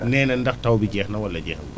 nee na ndax taw bi jeex na wala jeexagul